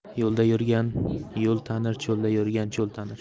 yo'lda yurgan yo'l tanir cho'lda yurgan cho'l tanir